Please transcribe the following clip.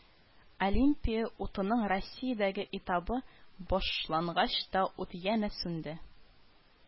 Олимпия утының Россиядәге этабы башлангач та, ут янә сүнде